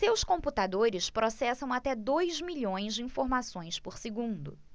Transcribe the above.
seus computadores processam até dois milhões de informações por segundo